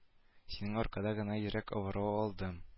Синең аркада гына йөрәк авыруы алдым